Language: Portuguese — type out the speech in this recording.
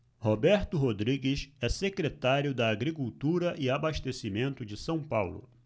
roberto rodrigues é secretário da agricultura e abastecimento de são paulo